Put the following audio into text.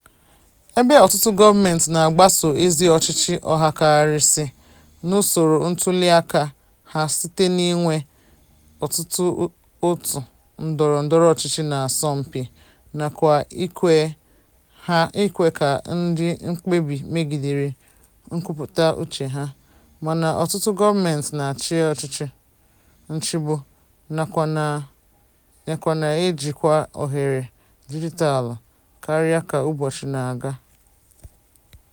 Ebe ọtụtụ gọọmentị na-agbaso ezi ọchịchị ọhakarasị n'usoro ntuliaka ha site n'inwe ọtụtụ òtù ndọrọndọrọ ọchịchị na-asọmpi nakwa ikwe ka ndị mkpebi megidere kwupụta uche ha, mana ọtụtụ gọọmentị na-achị ọchịchị nchịgbu — nakwa na-ejikwa ohere dijitaalụ karịa ka ụbọchị na-aga.